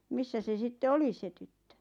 missä se sitten oli se tyttö